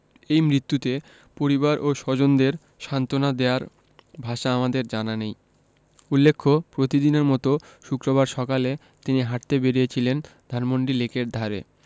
এই মৃত্যুতে পরিবার ও স্বজনদের সান্তনা দেয়ার ভাষা আমাদের জানা নেই উল্লেখ্য প্রতিদিনের মতো শুক্রবার সকালে তিনি হাঁটতে বেরিয়েছিলেন ধানমন্ডি লেকের ধারে